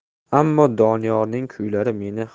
ammo doniyorning kuylari